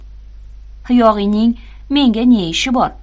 yog'iyning menga ne ishi bor